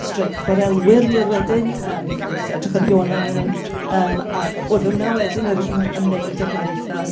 Streic chwarelwyr fi oedd wedyn, edrychwch ar Iona fan hyn, ac roedd hwnna wedyn yr un ymwneud â'r gymdeithas